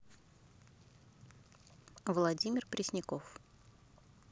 владимир пресняков